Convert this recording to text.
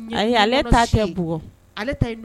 Nin ye nuŋɔnɔsi ye ayi ale ta tɛ bugɔ ale ta in b